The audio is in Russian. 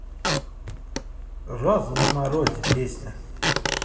роза на морозе песня